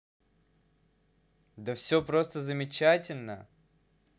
да все просто замечательно